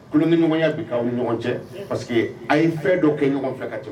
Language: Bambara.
Kolon ni ɲɔgɔnya bɛ k' ɲɔgɔn cɛ pa a ye fɛn dɔ kɛ ɲɔgɔn fɛ ka cogo